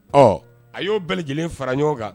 Ɔ a y'o bɛɛ lajɛlen fara ɲɔgɔn kan